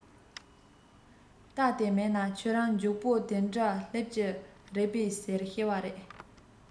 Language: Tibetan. རྟ དེ མེད ན ཁྱེད རང མགྱོགས པོ དེའི འདྲ སླེབས ཀྱི རེད པས ཟེར བཤད པ རེད